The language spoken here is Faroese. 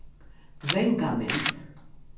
vangamynd